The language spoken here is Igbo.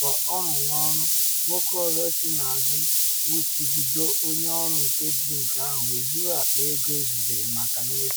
Ka ọ nọ n’ọrụ, nwoke ọzọ “si n’azụ wụchibido onye ọrụ nke Brink ahụ” wee zuru akpa ego ezubere maka nnyefe.